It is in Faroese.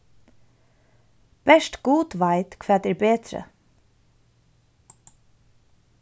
bert gud veit hvat er betri